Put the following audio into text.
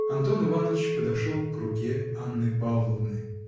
Антон Иваныч подошел к руке Анны Павловны.